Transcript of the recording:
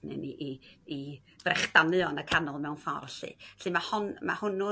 neu'n i i i frechdanu o y canol mewn ffor' 'llu 'llu ma' hon ma' hwnnw